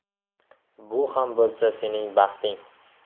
bu ham bo'lsa sening baxting